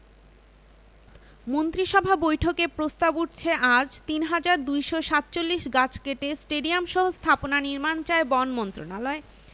মন্ত্রিসভা বৈঠকে প্রস্তাব উঠছে আজ ৩২৪৭ গাছ কেটে স্টেডিয়ামসহ স্থাপনা নির্মাণ চায় বন মন্ত্রণালয়